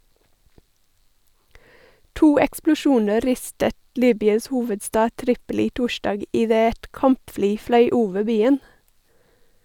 To eksplosjoner rystet Libyas hovedstad Tripoli torsdag idet et kampfly fløy over byen.